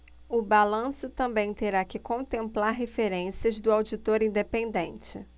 o balanço também terá que contemplar referências do auditor independente